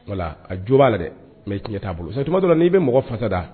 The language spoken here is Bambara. Nka a jo b'a la dɛ mɛ tiɲɛ t'a bolo sa totɔ n'i bɛ mɔgɔ fasa da